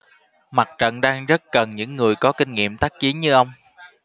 mặt trận đang rất cần những người có kinh nghiệm tác chiến như ông